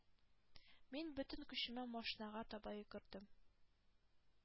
Мин бөтен көчемә машинага таба йөгердем.